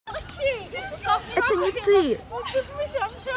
это не ты